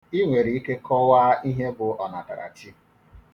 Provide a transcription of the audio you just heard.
I nwere ike kọwaa ihe bụ ọnatarachi.